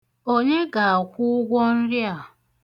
Onye ga-akwụ ụgwọ nri a?